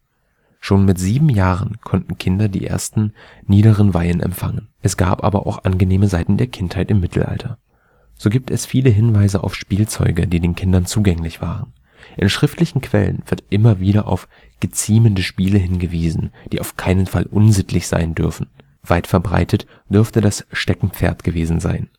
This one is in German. Schon mit sieben Jahren konnten Kinder die ersten, niederen Weihen empfangen. Pieter Bruegel:Kinderspiele, 1560 Es gab aber auch angenehme Seiten der Kindheit im Mittelalter. So gibt es viele Hinweise auf Spielzeuge, die den Kindern zugänglich waren. In schriftlichen Quellen wird aber immer wieder auf „ geziemende “Spiele hingewiesen, die auf keinen Fall „ unsittlich “sein dürfen. Weit verbreitet dürfte das Steckenpferd gewesen sein